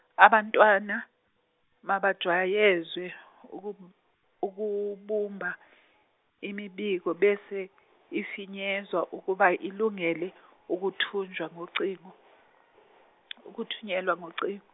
abantwana mabajwayezwe ukub- ukubumba imibiko bese ifinyezwa ukuba ilungele ukuthunjwa ngocingo, ukuthunyelwa ngocingo.